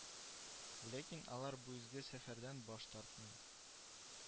Ләкин алар бу изге сәфәрдән баш тартмый